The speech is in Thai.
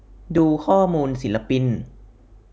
ดูข้อมูลศิลปิน